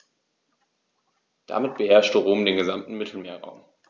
Damit beherrschte Rom den gesamten Mittelmeerraum.